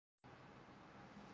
gul hayot bezagi sevgi inson bezagi